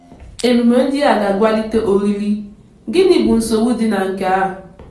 Emume ndị a ga-akwalite oriri, gịnị bụ nsogbu dị na nke a?